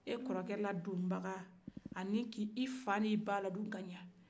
e kɔrɔkɛ ladon baga ani ka e fa ani e ba ladon kaɲɛ